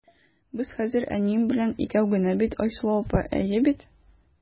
Без хәзер әнием белән икәү генә бит, Айсылу апа, әйе бит?